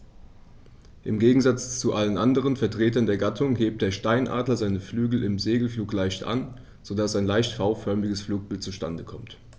Im Gegensatz zu allen anderen Vertretern der Gattung hebt der Steinadler seine Flügel im Segelflug leicht an, so dass ein leicht V-förmiges Flugbild zustande kommt.